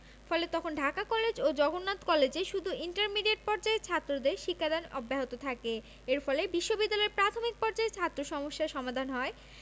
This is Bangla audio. ফলে তখন ঢাকা কলেজ ও জগন্নাথ কলেজে শুধু ইন্টারমিডিয়েট পর্যায়ের ছাত্রদের শিক্ষাদান অব্যাহত থাকে এর ফলে বিশ্ববিদ্যালয়ে প্রাথমিক পর্যায়ে ছাত্র সমস্যার সমাধান হয়